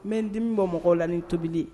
M dimi bɔ mɔgɔ la ni tobili